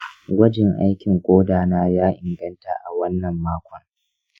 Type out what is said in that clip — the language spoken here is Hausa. gwajin aikin koda na ya inganta a wannan makon.